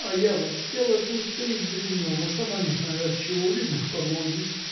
А я вот села тут да и вздремнула, сама не знаю отчего, видно к погоде.